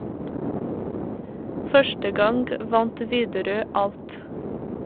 Første gang vant Widerøe alt.